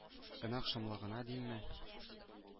Гөнаһ шомлыгына димме,